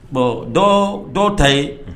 Bɔn dɔ dɔw ta ye